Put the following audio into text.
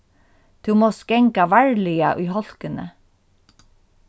tú mást ganga varliga í hálkuni